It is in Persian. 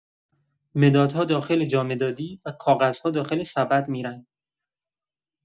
مدادها داخل جامدادی و کاغذها داخل سبد می‌رن.